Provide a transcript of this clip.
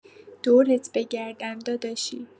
دورت بگردم داداشی